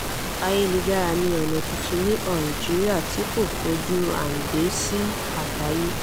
Ayélujára ni ọ̀nà tuntun ní Algeria tí kò fojú hànde sí àgbáyé.